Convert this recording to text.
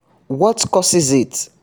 What causes it?